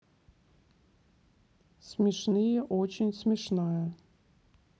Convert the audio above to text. смешные очень смешная